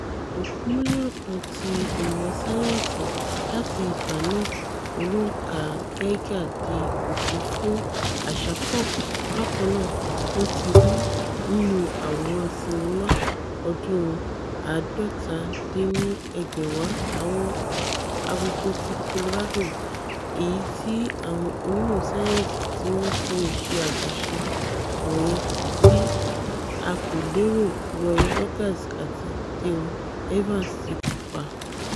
Òpómúléró kan ti ìmọ̀ sáyẹ́ǹsì láti ìgbà náà, Olóǹkà Geiger di òpó fún àṣà pop bákannáà, bótirí nínú àwòrán sinnimá ọdún 1950 ''Àwọn Agogo ti Colorado,'' èyití àwọn onímọ̀ sáyẹ́nsì tíwọn fúnníṣe àgbàṣe wọ̀nyẹn tí a kò lérò ROY Rogers àti Dale Evans ti kópa: